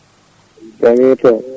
jaam hiiri toon